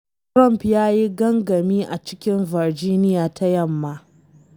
Trump ya yi gangami a cikin Virginia ta Yamma.